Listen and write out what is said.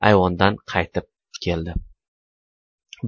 ayvonga qaytib keldi